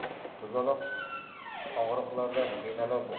qizaloq og'riqlardan qiynala